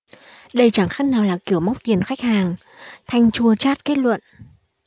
đây chẳng khác nào là kiểu móc tiền khách hàng thanh chua chát kết luận